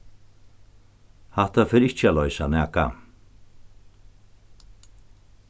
hatta fer ikki at loysa nakað